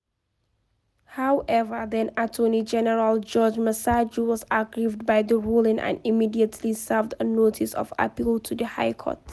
However, then-Attorney General George Masaju was aggrieved by the ruling and immediately served a notice of appeal to the High Court: